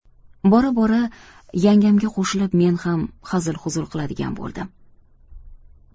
bora bora yangamga qo'shilib men ham hazil huzul qiladigan bo'ldim